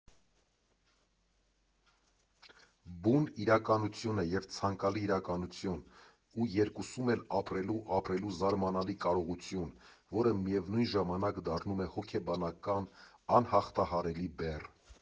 Բուն իրականություն և ցանկալի իրականություն, ու երկուսում էլ ապրելու ապրելու զարմանալի կարողություն, որը միևնույն ժամանակ դառնում է հոգեբանական անհաղթահարելի բեռ։